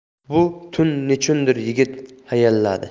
bu tun nechundir yigit hayalladi